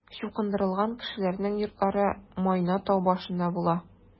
Чукындырылган кешеләрнең йортлары Майна тау башында була.